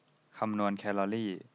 คำนวณแคลอรี่